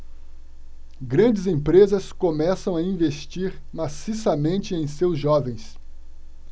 grandes empresas começam a investir maciçamente em seus jovens